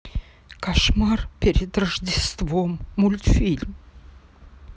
кошмар перед рождеством мультфильм